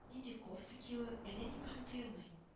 Нинди кофта киюе әллә ни мөһим тоелмый